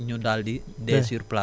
wala ñu daal di